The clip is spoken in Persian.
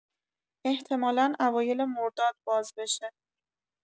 احتمالا اوایل مرداد باز بشه